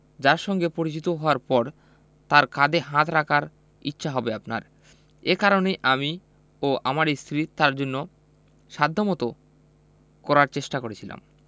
যাঁর সঙ্গে পরিচিত হওয়ার পর তাঁর কাঁধে হাত রাখার ইচ্ছা হবে আপনার এ কারণে আমি ও আমার স্ত্রী তাঁর জন্য সাধ্যমতো করার চেষ্টা করেছিলাম